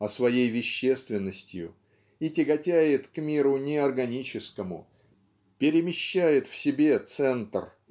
а своей вещественностью и тяготеет к миру неорганическому перемещает в себе центр